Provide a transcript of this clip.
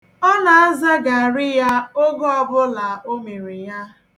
Ọ na-aza garị ya oge ọbụla o mere ya.